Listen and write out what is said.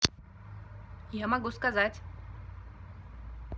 я могу сказать